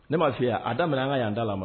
Ne m maa lafiya a daminɛmin an ka'an da ma